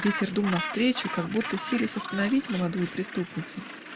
ветер дул навстречу, как будто силясь остановить молодую преступницу.